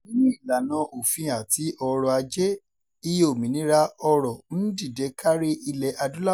Nínú ìlànà òfin àti ọ̀rọ̀ Ajé, iye òmìnira ọ̀rọ̀ ń dìde kárí Ilẹ̀-Adúláwọ̀.